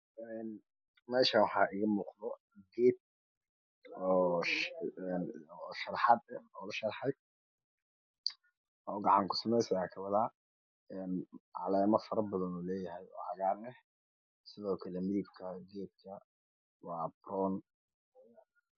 Een meeshan waxaa iiga muuqdo geed oosh een oo sharaxad eh oolasharxay oo gacan ku samays ah kawadaa een caleemo fara badan uu leyahay oo cagaaran eh sidoo kle midabka geedka waa baroon